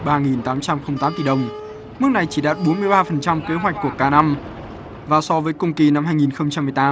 ba nghìn tám trăm không tám tỷ đồng mức này chỉ đạt bốn mươi ba phần trăm kế hoạch của cả năm và so với cùng kỳ năm hai nghìn không trăm mười tám